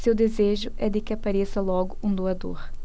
seu desejo é de que apareça logo um doador